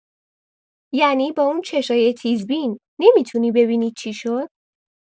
ینی با اون چشای تیزبین نمی‌تونی ببینی چی شد؟